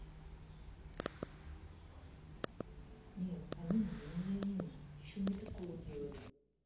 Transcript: нет они нам не они еще мне проколы делали